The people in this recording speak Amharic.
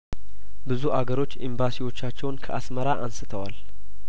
ብዙ አገሮች ኤምባሲዎቻቸውን ከአስመራ አንስተዋል